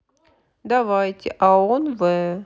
давайте а он в